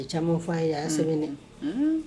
A ye caman fɔ'a ye a y'a sɛbɛn